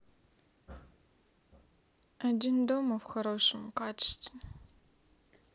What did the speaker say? один дома в хорошем качестве